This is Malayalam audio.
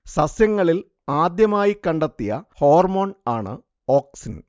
സസ്യങ്ങളിൽ ആദ്യമായി കണ്ടെത്തിയ ഹോർമോൺ ആണ് ഓക്സിൻ